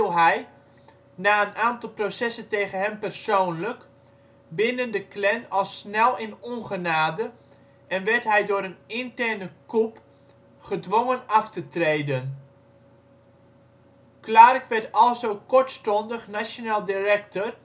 hij - na een aantal processen tegen hem persoonlijk - binnen de Klan al snel in ongenade en werd hij door een interne coup gedwongen af te treden. Clarke werd alzo kortstondig national director